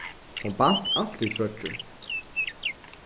hon bant altíð troyggjur